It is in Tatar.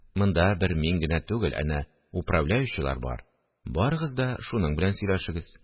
Монда бер мин генә түгел, әнә управляющийлар бар, барыгыз да шуның белән сөйләшегез